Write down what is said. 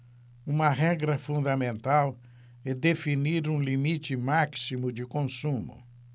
uma regra fundamental é definir um limite máximo de consumo